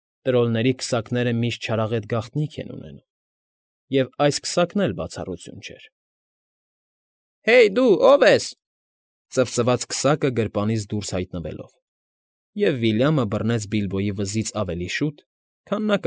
Տրոլների քսակները միշտ չարաղետ գաղտնիք են ունենում, և այս քսակն էլ բացառություն չէր։ ֊ Հեյ, դու ո՞վ ես,֊ ծիծաղեց քսակը գրպանից դուրս հայտնվելով, և Վիլյամը բռնեց Բիլբոյի վզից ավելի շուտ, քան նա։